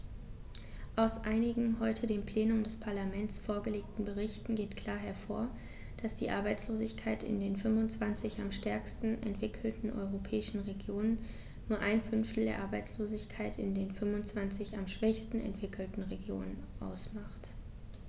Aus einigen heute dem Plenum des Parlaments vorgelegten Berichten geht klar hervor, dass die Arbeitslosigkeit in den 25 am stärksten entwickelten europäischen Regionen nur ein Fünftel der Arbeitslosigkeit in den 25 am schwächsten entwickelten Regionen ausmacht.